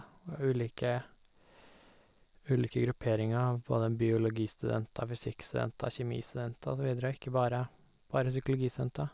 Og ulike ulike grupperinger av både biologistudenter, fysikkstudenter, kjemistudenter og så videre og ikke bare bare psykologistudenter.